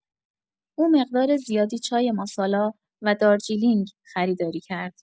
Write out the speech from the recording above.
او مقدار زیادی چای ماسالا و دارجیلینگ خریداری کرد.